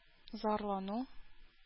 Зарлану